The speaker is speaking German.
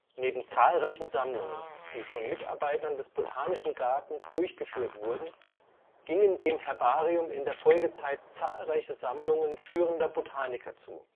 Neben zahlreichen Sammlungen, die von Mitarbeitern des Botanischen Gartens durchgeführt wurden, gingen dem Herbarium in der Folgezeit zahlreiche Sammlungen führender Botaniker zu